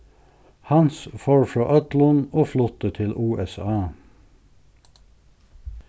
hans fór frá øllum og flutti til usa